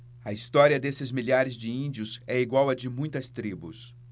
a história desses milhares de índios é igual à de muitas tribos